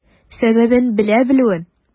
Сәбәбен белә белүен.